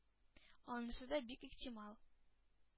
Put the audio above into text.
Анысы да бик ихтимал,